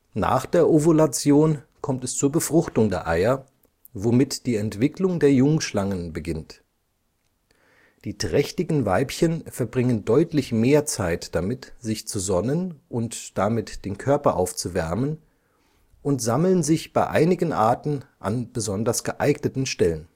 Nach der Ovulation kommt es zur Befruchtung der Eier, womit die Entwicklung der Jungschlangen beginnt. Die trächtigen Weibchen verbringen deutlich mehr Zeit damit, sich zu sonnen und damit den Körper aufzuwärmen und sammeln sich bei einigen Arten an besonders geeigneten Stellen